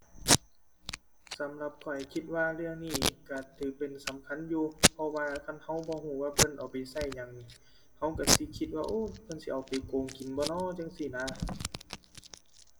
สำหรับข้อยคิดว่าเรื่องนี้ก็ถือเป็นสำคัญอยู่ เพราะว่าคันก็บ่ก็ว่าเพิ่นเอาไปก็หยังนี่ ก็ก็สิคิดว่า โอ้ เพิ่นสิเอาไปโกงกินบ่น้อ จั่งซี้นะ